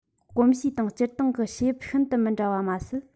གོམས གཤིས དང སྤྱིར བཏང གི ཕྱི དབྱིབས ཤིན ཏུ མི འདྲ བ མ ཟད